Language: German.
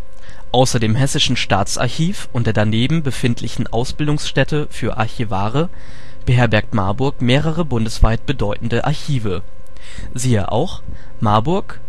Außer dem Hessischen Staatsarchiv und der daneben befindlichen Ausbildungsstätte für Archivare beherbergt Marburg mehrere bundesweit bedeutende Archive. Siehe auch Marburg